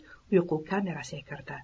uyqu kamerasiga kirdi